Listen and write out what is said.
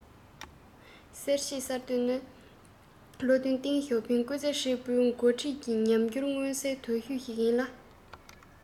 གསར འབྱེད གསར གཏོད ནི བློ མཐུན ཏེང ཞའོ ཕིང སྐུ ཚེ ཧྲིལ པོའི འགོ ཁྲིད ཀྱི ཉམས འགྱུར མངོན གསལ དོད ཤོས ཤིག ཡིན ལ